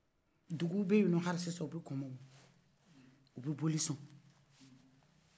duguw bɛyi non halisa o bɛ kɔmɔ bɔ u bɛ boli son